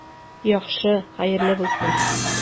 Яхшы, хәерле булсын.